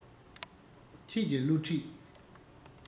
ཁྱེད ཀྱི བསླུ བྲིད